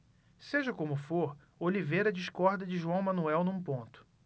seja como for oliveira discorda de joão manuel num ponto